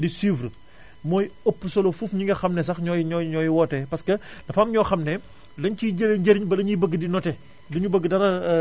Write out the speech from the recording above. di suivre mooy ëpp solo fuuf ñi nga xam ne sax ñooy ñooy ñooy woote parce que dafa am ñoo xam ne dañ siy jëlee njariñ ba dañuy bëgg di noté duñu bëgg dara